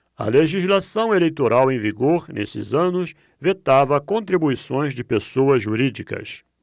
a legislação eleitoral em vigor nesses anos vetava contribuições de pessoas jurídicas